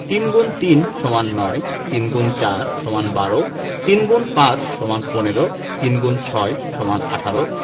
৩ গুণ ৩ সমান ৯ ৩গুণ ৪ সমান ১২ ৩গুণ ৫ সমান ১৫ ৩গুণ ৬ সমান ১৮